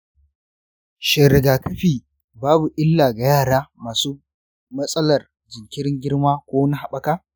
shin riga-kafi babu illa ga yara masu matsalar jinkirin girma ko na haɓaka?